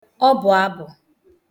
ọbụ̀abụ̀